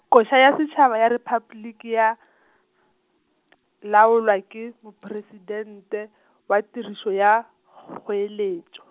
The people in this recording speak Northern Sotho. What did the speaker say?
koša ya setšhaba ya Repabliki ya , laolwa ke mopresitente , wa tirišo ya, kgoeletšo.